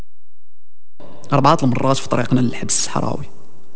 ابعثي من راس طريق ملحم الصحراوي